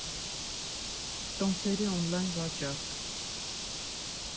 Տոմսերի օնլայն վաճառք։